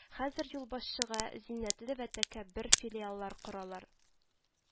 Хәзер юлбашчыга зиннәтле вә тәкәббер филиаллар коралар